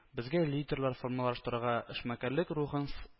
Безгә лидерлар формалаштырырга, эшмәкәрлек рухын с